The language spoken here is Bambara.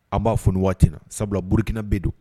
An b'a fɔ ni waatiina sabula burukina bɛ don